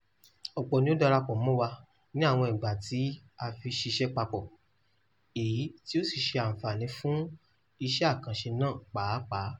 Ọ̀pọ̀ ni ó darapọ̀ mọ́ wa ní àwọn ìgbà tí a fi ṣiṣẹ́ papọ̀, èyí tí ó sì ṣe àǹfààní fún iṣẹ́ àkànṣe náà pàápàá.